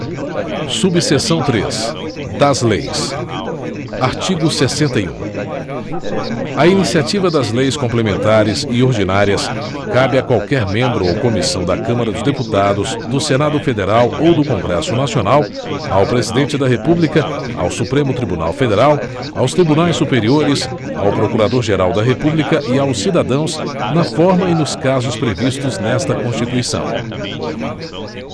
subseção três das leis artigo sessenta e um a iniciativa das leis complementares e ordinárias cabe a qualquer membro ou comissão da câmara dos deputados do senado federal ou do congresso nacional ao presidente da república ao supremo tribunal federal aos tribunais superiores ao procurador geral da república e aos cidadãos na forma e nos casos previstos nesta constituição